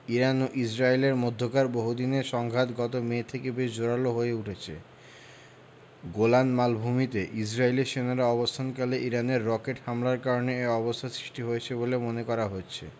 Iran ও ইসরায়েলের মধ্যকার বহুদিনের সংঘাত গত মে থেকে বেশ জোরালো হয়ে উঠেছে গোলান মালভূমিতে ইসরায়েলি সেনারা অবস্থানকালে ইরানের রকেট হামলার কারণে এ অবস্থার সৃষ্টি হয়েছে বলে মনে করা হচ্ছে